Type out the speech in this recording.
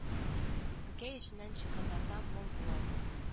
Күкәй эченнән чыкканнарда моң була алмый